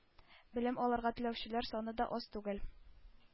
Белем алырга теләүчеләр саны да аз түгел.